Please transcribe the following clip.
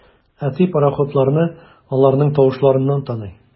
Әти пароходларны аларның тавышларыннан таный.